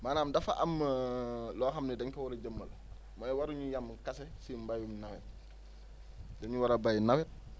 maanaam dafa am loo xam ni dañ ko war a jëmmal mooy waruñu yem kese si mbéyum nawet dañu war a béy nawet